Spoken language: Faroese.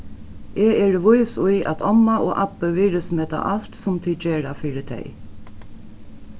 eg eri vís í at omma og abbi virðismeta alt sum tit gera fyri tey